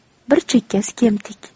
bir chekkasi kemtik